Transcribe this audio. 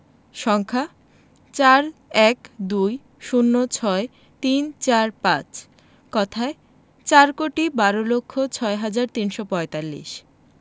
সংখ্যা ৪১২০৬৩৪৫ কথায় চার কোটি বার লক্ষ ছয় হাজার তিনশো পঁয়তাল্লিশ